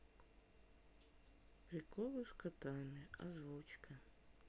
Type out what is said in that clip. приколы с котами озвучка